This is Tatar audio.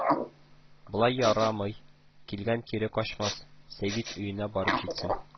– болай ярамый, килгән кире качмас, сәвит өенә барып җитсен